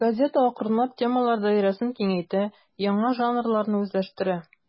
Газета акрынлап темалар даирәсен киңәйтә, яңа жанрларны үзләштерә.